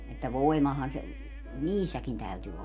että voimahan se niissäkin täytyi olla